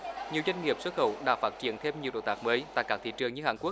nhiều doanh nghiệp xuất khẩu đã phát triển thêm nhiều đối tác mới tại các thị trường như hàn quốc